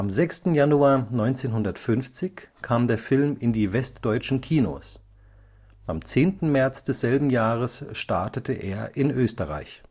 6. Januar 1950 kam der Film in die westdeutschen Kinos, am 10. März desselben Jahres startete er in Österreich